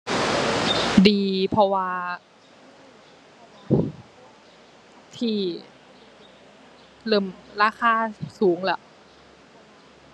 ดี เพราะว่าที่เริ่มราคาสูงแล้ว